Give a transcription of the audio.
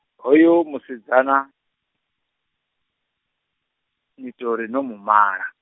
hoyu musidzana, ni ṱori no mumala.